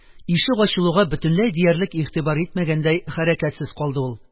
Ишек ачылуга бөтенләй диярлек игътибар итмәгәндәй хәрәкәтсез калды ул